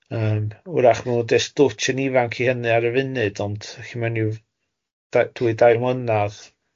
Ie. Yym wrach ma' nhw'n de- dwtch yn ifanc i hynny ar y funud, ond felly mae'n ryw da- dwy dair mlynedd.